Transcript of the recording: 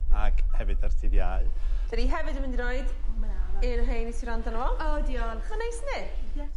Ac hefyd ar dydd iau. 'Dan ni hefyd yn mynd i roid... O mae'n anodd. ...un o rhein i ti wrando arno fo. O diolch. Mae'n neis yndi? Ie.